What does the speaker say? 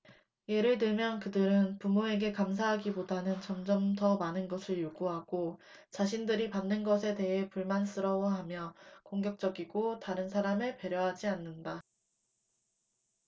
예를 들면 그들은 부모에게 감사하기보다는 점점 더 많은 것을 요구하고 자신들이 받는 것에 대해 불만스러워하며 공격적이 고 다른 사람을 배려하지 않는다